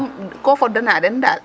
ko fodanda den daal,